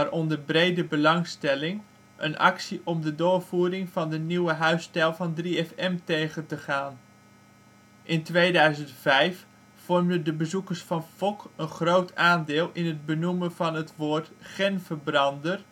onder brede belangstelling, een actie om de doorvoering van de nieuwe huisstijl van 3FM tegen te gaan. In 2005 vormden de bezoekers van FOK! een groot aandeel in het benoemen van het woord genverbrander